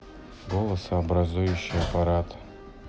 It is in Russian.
голосообразующий аппарат